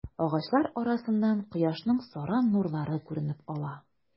Агачлар арасыннан кояшның саран нурлары күренеп ала.